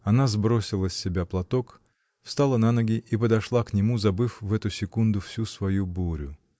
Она сбросила с себя платок, встала на ноги и подошла к нему, забыв в эту секунду всю свою бурю.